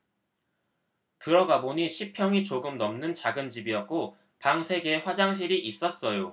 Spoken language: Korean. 들어가보니 십 평이 조금 넘는 작은 집이었고 방 세 개에 화장실이 있었어요